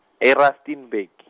e- Rustenburg.